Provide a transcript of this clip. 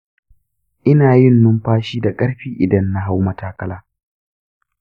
ina yin numfashi da ƙarfi idan na hau matakala.